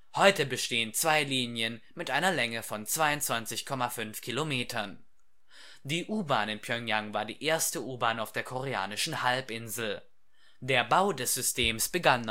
Heute bestehen zwei Linien mit einer Länge von 22,5 Kilometern. Die U-Bahn in Pjöngjang war die erste U-Bahn auf der Koreanischen Halbinsel. Der Bau des Systems begann